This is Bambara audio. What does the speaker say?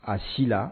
A si la